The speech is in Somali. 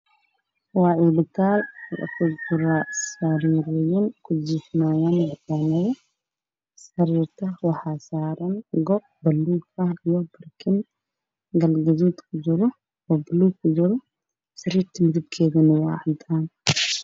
Meeshaan waa isbitaal waxay la sariir midabkeedu yahay barow waxaa ag yaalla qalabka lagu baaro dadka oo computerro ah